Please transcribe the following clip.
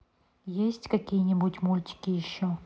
есть какие нибудь мультики еще